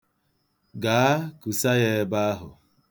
Gaa kusa ya ebe ahụ.